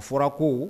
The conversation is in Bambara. Fɔra ko